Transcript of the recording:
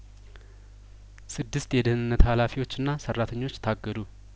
ስድስት የደህንነት ሀላፊዎችና ሰራተኞች ታገዱ